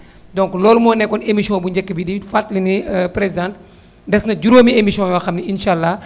donc loolu moo nekkoon émission bu njëkk bi di di fàttali ni présidente des na juróomi émission yoo xam ni incha allah